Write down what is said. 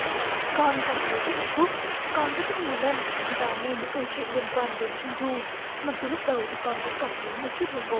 con cảm thấy rất hạnh phúc con rất thích múa lân và nghe những câu chuyện liên quan đến trung thu mặc dù lúc đầu thì con cũng cảm thấy một chút hồi hộp